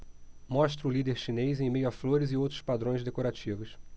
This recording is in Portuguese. mostra o líder chinês em meio a flores e outros padrões decorativos